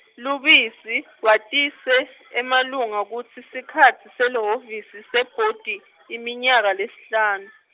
Lubisi, watise, emalunga kutsi sikhatsi selihhovisi sebhodi, iminyaka lesihlanu.